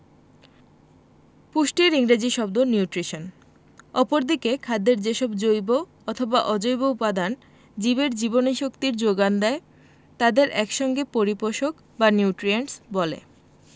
পুষ্টির ইংরেজি শব্দ নিউট্রিশন অপরদিকে খাদ্যের যেসব জৈব অথবা অজৈব উপাদান জীবের জীবনীশক্তির যোগান দেয় তাদের এক সঙ্গে পরিপোষক বা নিউট্রিয়েন্টস বলে